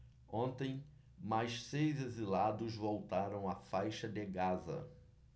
ontem mais seis exilados voltaram à faixa de gaza